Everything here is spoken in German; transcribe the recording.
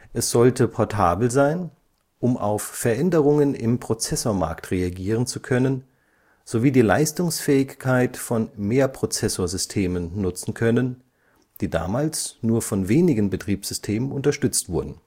Es sollte portabel sein, um auf Veränderungen im Prozessormarkt reagieren zu können, sowie die Leistungsfähigkeit von Mehrprozessorsystemen nutzen können, die damals nur von wenigen Betriebssystemen unterstützt wurden